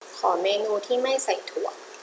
ขอเมนูที่ไม่ใส่ถั่ว